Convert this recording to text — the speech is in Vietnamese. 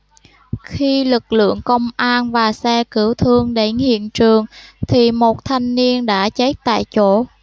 khi lực lượng công an và xe cứu thương đến hiện trường thì một thanh niên đã chết tại chỗ